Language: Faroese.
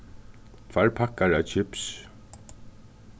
tveir pakkar av kips